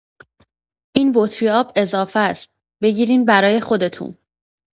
این بطری آب اضافه‌ست، بگیرین برای خودتون.